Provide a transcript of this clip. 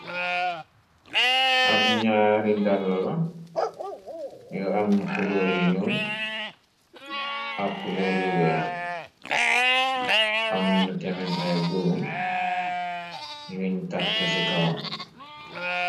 Ab ñaari dalla la yu am kulóor yu ñuul ak kuloor yu weex amna tamin ay boom yuñ tàkke ci kawam.